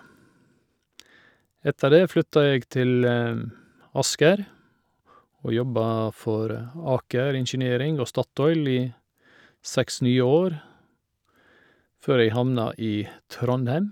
Etter det flytta jeg til Asker, og jobba for Aker Engineering og Statoil i seks nye år, før jeg havna i Trondheim.